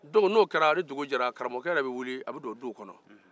ni dugu jɛra karamɔgɔkɛ bɛ wuli a bɛ don duw kɔnɔ